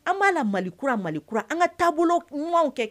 An b'a la malikura malikura an ka taabolo man kɛ